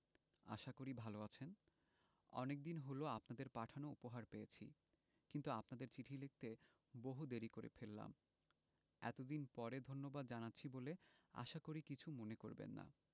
আশা করি ভালো আছেন অনেকদিন হল আপনাদের পাঠানো উপহার পেয়েছি কিন্তু আপনাদের চিঠি লিখতে বহু দেরী করে ফেললাম এতদিন পরে ধন্যবাদ জানাচ্ছি বলে আশা করি কিছু মনে করবেন না